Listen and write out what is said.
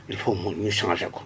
il foog moom ñu changé ko